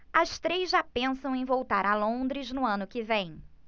as três já pensam em voltar a londres no ano que vem